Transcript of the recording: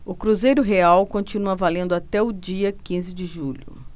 o cruzeiro real continua valendo até o dia quinze de julho